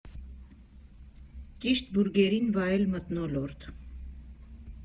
Ճիշտ բուրգերին վայել մթնոլորտ։